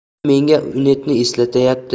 bu menga unetni eslatyapti